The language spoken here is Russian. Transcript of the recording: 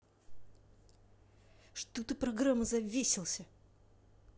что ты программа завесился